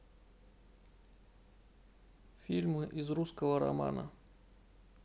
фильмы из русского романа